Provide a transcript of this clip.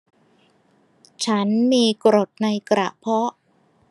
ฉันมีกรดในกระเพาะ